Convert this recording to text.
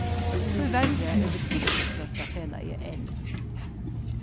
tíverri eru vit ikki størsta felagið enn